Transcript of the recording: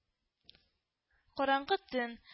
Караңгы төн